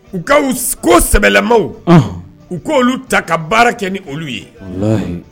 U ka ko sɛbɛlɛmaw u k'olu ta ka baara kɛ ni olu ye